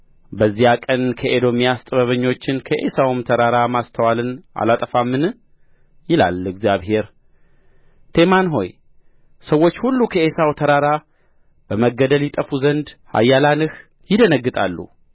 በዚያ ቀን ከኤዶምያስ ጥበበኞችን ከዔሳውም ተራራ ማስተዋልን አላጠፋምን ይላል እግዚአብሔር ቴማን ሆይ ሰዎች ሁሉ ከዔሳው ተራራ በመገደል ይጠፉ ዘንድ ኃያላንህ ይደነግጣሉ